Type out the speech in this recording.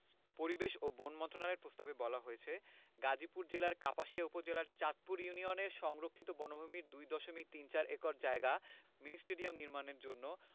পরিবেশ ও বন মন্ত্রণালয়ের প্রস্তাবে বলা হয়েছে গাজীপুর জেলার কাপাসিয়া উপজেলার চাঁদপুর ইউনিয়নের সংরক্ষিত বনভূমির ২ দশমিক তিন চার একর জায়গা মিনি স্টেডিয়াম নির্মাণের জন্য